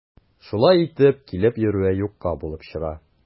Шулай итеп, килеп йөрүе юкка булып чыга.